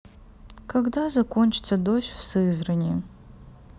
когда закончится дождь в сызрани